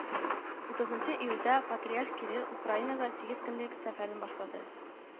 Утызынчы июльдә патриарх кирилл украинага сигез көнлек сәфәрен башлады